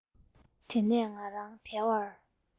དེ ནས ང རང དལ བར